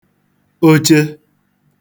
oche